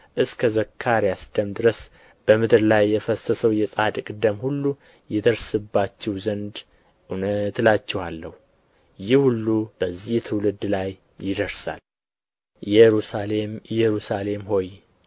እስከ ዘካርያስ ደም ድረስ በምድር ላይ የፈሰሰው የጻድቅ ደም ሁሉ ይደርስባችሁ ዘንድ እውነት እላችኋለሁ ይህ ሁሉ በዚህ ትውልድ ላይ ይደርሳል ኢየሩሳሌም ኢየሩሳሌም ሆይ